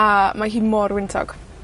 A, mae hi mor wyntog.